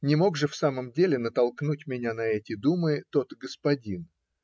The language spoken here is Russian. Не мог же, в самом деле, натолкнуть меня на эти думы тот господин.